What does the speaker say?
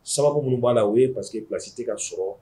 Sababu minnu b'a la o ye Parce que place tɛ ka sɔrɔ.